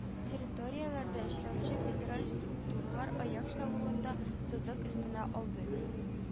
Территорияләрдә эшләүче федераль структуралар аяк чалуын да сызык өстенә алды